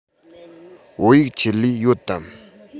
བོད ཡིག ཆེད ལས ཡོད དམ